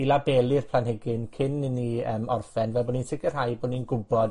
i labeli'r planhigyn cyn i ni yym orffen, fel bo' ni'n sicirhau bo' ni'n gwbod